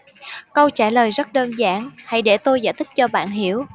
câu trả lời rất đơn giản hãy để tôi giải thích cho bạn hiểu